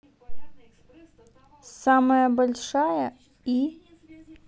самая большая и